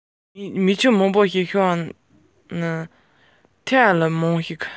སྐར མ བརྒྱ ཟ ཐག གཅོད རེད